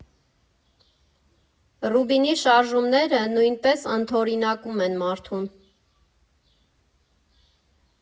Ռոբինի շարժումները նույնպես ընդօրինակում են մարդուն .